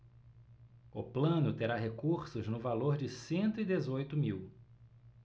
o plano terá recursos no valor de cento e dezoito mil